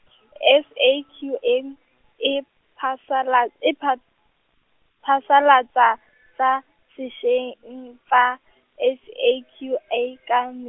S A Q N, e phasala-, e pha-, phasalatsa , tsa seshe- eng tsa, S A Q A ka m-.